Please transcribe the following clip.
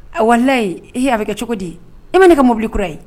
A walilayi a bɛ kɛ cogo di! e ma ne ka mobili kura ye!